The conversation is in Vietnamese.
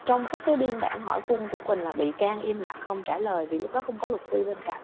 trong các cái biên bản hỏi cung của quỳnh là bị can im lặng không trả lời vì lúc đó không có luật sư bên cạnh